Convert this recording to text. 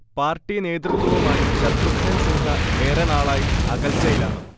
party നേതൃത്വവുമായി ശത്രുഘ്നൻ സിൻഹ ഏറെ നാളായി അകൽച്ചയിലാണ്